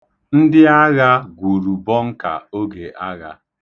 Ndịagha gwuru bọnka oge agha.